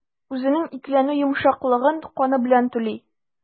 Үзенең икеләнү йомшаклыгын каны белән түли.